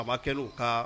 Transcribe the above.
Sababa kɛ u kan